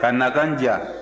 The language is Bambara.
k'a nakan diya